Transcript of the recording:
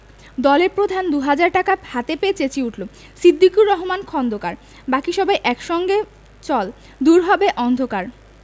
দলের প্রধান দু'হাজার টাকা হাতে পেয়ে চেঁচিয়ে ওঠল সিদ্দিকুর রহমান খোন্দকার বাকি সবাই এক সঙ্গে চল দূর হবে অন্ধকার